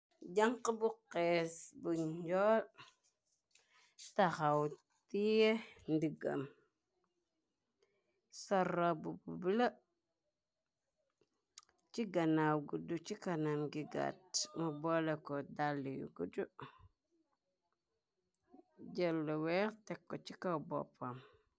Janxa bu xees bu njool taxaw tiye ndiggam sarabububula ci ganaaw gudd ci kanam gi gatt mu bole ko dàlli yu gudju jëllu weex tekko ci kaw boppam.